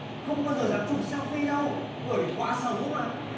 không bao giờ dám chụp seo phi đâu bởi quá xấu ấy mà